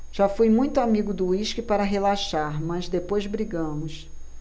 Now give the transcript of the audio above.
já fui muito amigo do uísque para relaxar mas depois brigamos